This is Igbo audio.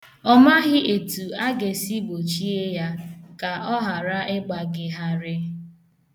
Ọ maghị etu a ga-esi gbochi ya ka ọ ghara ịgba gị gharịị.